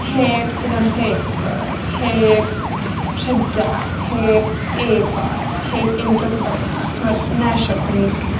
Heb tudalen Facebook heb Trydar heb ebost heb unrywbeth fel 'na t'mod 'n ashwt ni'n